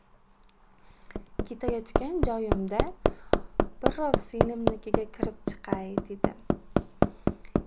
ketayotgan joyimda birrov singlimnikiga kirib chiqay dedim